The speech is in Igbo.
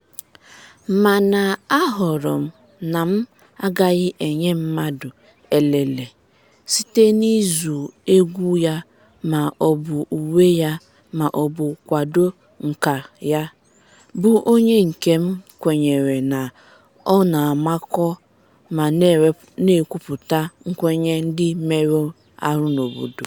“Mana A họrọ m na m “AGAGHỊ” enye mmadụ elele (site na ịzụ egwu ya ma ọ bụ uwe ya ma ọ bụ kwado “nka” ya} bụ Onye nke m kwenyere na ọ na-amakọ ma na-ekwuputa nkwenye dị mmerụ ahụ n’obodo.